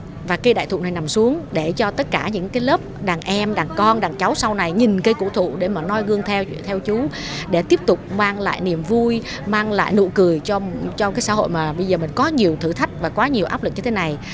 và cây đại thụ này nằm xuống để cho tất cả những cái lớp đàn em đàn con đàn cháu sau này nhìn cây cổ thụ để mà noi gương theo theo chú để tiếp tục mang lại niềm vui mang lại nụ cười trong cho cái xã hội mà bây giờ mình có nhiều thử thách và quá nhiều áp lực như thế này